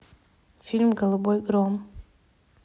фильм голубой гром